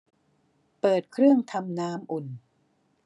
เปิดเครื่องทำความน้ำอุ่น